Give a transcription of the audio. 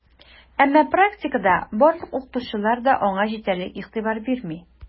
Әмма практикада барлык укытучылар да аңа җитәрлек игътибар бирми: